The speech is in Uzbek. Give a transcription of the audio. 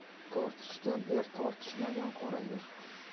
tortishgan er tortishmagan qora yer